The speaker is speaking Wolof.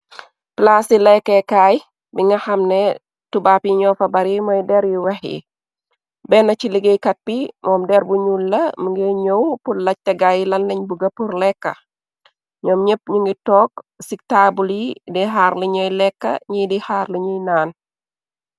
Plaas si lekkeekaay bi nga xam ne tubap yi ñoofa bari mooy der yu wex yi. Benn ci liggéeykat bi moom der bu ñul la minga ñëw pul laj cagaayyi lan lañ buga pur lekka. Nyoom ñépp ñu ngi toog si taabul yi di xaar luñuy lekka ñiy di xaar luñuy naan.